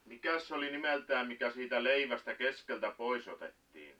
mikäs se oli nimeltään mikä siitä leivästä keskeltä pois otettiin